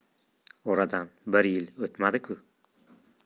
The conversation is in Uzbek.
oradan bir yil o'tmadi ku